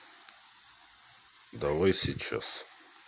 давай сейчас